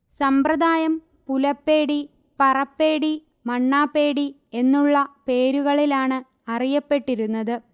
സമ്പ്രദായം പുലപ്പേടി പറപ്പേടി മണ്ണാപ്പേടി എന്നുള്ള പേരുകളിലാണ് അറിയപ്പെട്ടിരുന്നത്